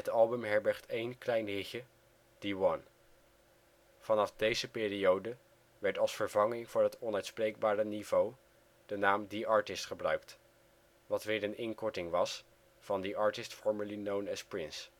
album herbergt één klein hitje, The One. Vanaf deze periode werd als vervanging voor het onuitspreekbare niveau de naam The Artist gebruikt, wat weer een inkorting was van The Artist Formerly Known As Prince